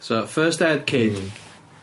So, first aid kid. Hmm.